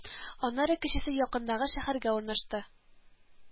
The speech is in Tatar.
Аннары кечесе якындагы шәһәргә урнашты